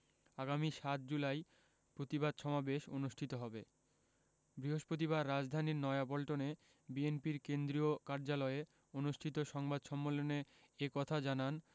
আগামী ৭ জুলাই প্রতিবাদ সমাবেশ অনুষ্ঠিত হবে বৃহস্পতিবার রাজধানীর নয়াপল্টনে বিএনপির কেন্দ্রীয় কার্যালয়ে অনুষ্ঠিত সংবাদ সম্মেলন এ কথা জানান